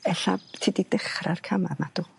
e'lla' ti 'di dechra'r cama 'ma do?